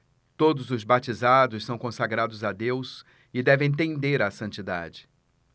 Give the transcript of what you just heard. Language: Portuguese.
todos os batizados são consagrados a deus e devem tender à santidade